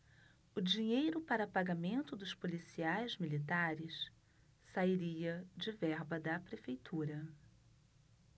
o dinheiro para pagamento dos policiais militares sairia de verba da prefeitura